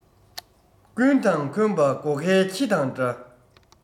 ཀུན དང འཁོན པ སྒོ ཁའི ཁྱི དང འདྲ